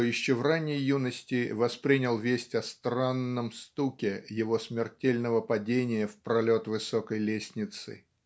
кто еще в ранней юности воспринял весть о "странном стуке" его смертельного падения в пролет высокой лестницы.